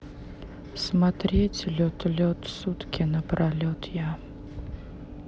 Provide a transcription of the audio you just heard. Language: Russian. смотреть лед лед сутки напролет я